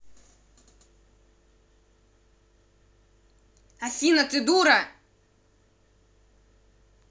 афина ты дура